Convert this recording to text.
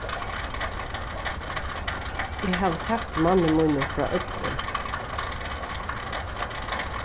eg havi sagt manni mínum frá øllum